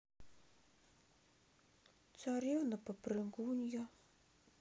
царевна попрыгунья